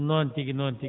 noon tigi noon tigui